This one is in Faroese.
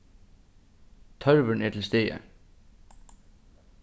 tørvurin er til staðar